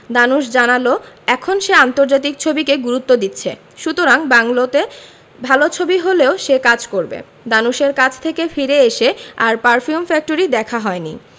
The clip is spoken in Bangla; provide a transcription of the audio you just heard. ধানুশ জানালো এখন সে আন্তর্জাতিক ছবিকে গুরুত্ব দিচ্ছে সুতরাং বাংলাতে ভালো ছবি হলেও সে কাজ করবে ধানুশের কাছে থেকে ফিরে এসে আর পারফিউম ফ্যাক্টরি দেখা হয়নি